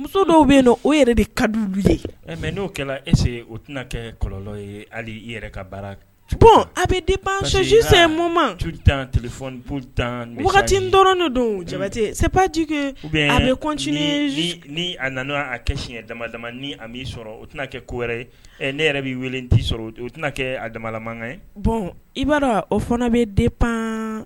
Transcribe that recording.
Muso dɔw bɛ yen na o yɛrɛ de ka du mɛ n' kɛra ese o tɛna kɛ kɔlɔnlɔ ye hali i yɛrɛ ka bara bɔn a bɛ pan mɔ sunjatatan t tan wagati dɔrɔn don jabate sejike bɛ ale kɔnc ni a nan a kɛ siɲɛ dama dama ni b'i sɔrɔ o tɛna kɛ ko wɛrɛ ye ne yɛrɛ bɛ wele t' sɔrɔ o tɛna kɛ a damalamakan ye bɔn i b'a dɔn o fana bɛ di pan